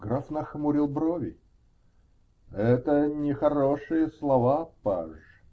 Граф нахмурил брови: -- Это нехорошие слова, паж.